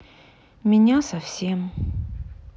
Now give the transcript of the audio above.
меня совсем